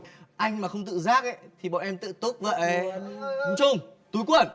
anh mà không tự giác ý thì bọn em tự túc vậy ông trung túi quần